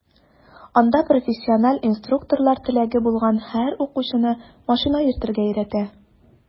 Анда профессиональ инструкторлар теләге булган һәр укучыны машина йөртергә өйрәтә.